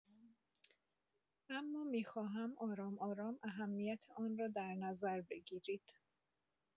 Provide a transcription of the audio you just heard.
اما می‌خواهم آرام‌آرام اهمیت آن را در نظر بگیرید.